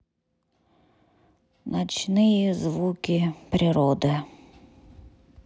ночные звуки природы